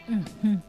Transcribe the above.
H